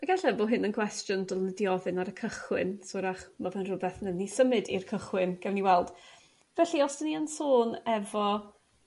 Ag ella fo' hyn yn gwestiwn dylwn i 'di ofyn ar y cychwyn so 'w'rach ma' fe'n rhwbeth newn ni symud i'r cychwyn gewn ni weld felly os 'dyn ni yn sôn efo